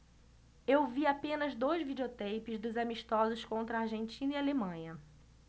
eu vi apenas dois videoteipes dos amistosos contra argentina e alemanha